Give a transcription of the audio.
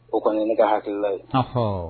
O kɔni ne ka hakilikila ye